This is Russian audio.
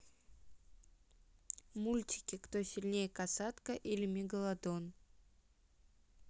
мультики кто сильнее касатка или мегалодон